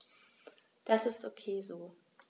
Das ist ok so.